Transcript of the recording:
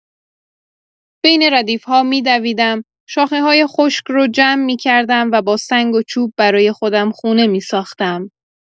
بین ردیف‌ها می‌دویدم، شاخه‌های خشک رو جمع می‌کردم و با سنگ و چوب برای خودم خونه می‌ساختم.